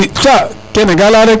xa a kene ga leya rek